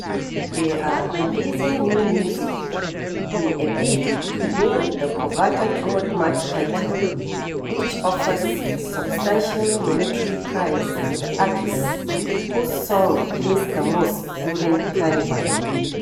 They're releasing new music in a bid to win the coveted Road March title, which offers a substantial monetary prize to the artist whose song plays the most during Carnival.